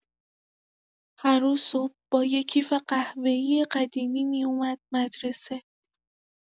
هر روز صبح با یه کیف قهوه‌ای قدیمی می‌اومد مدرسه.